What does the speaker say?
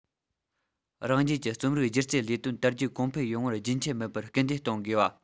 རང རྒྱལ གྱི རྩོམ རིག སྒྱུ རྩལ ལས དོན དར རྒྱས གོང འཕེལ ཡོང བར རྒྱུན ཆད མེད པར སྐུལ འདེད གཏོང དགོས བ